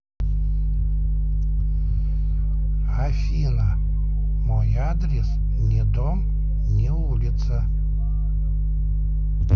афина мой адрес не дома не улица